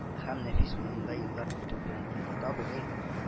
Һәм нәфис муенда еллар үтү белән инде табигый